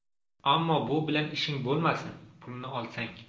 ammo bu bilan ishing bulmasin pulini olsang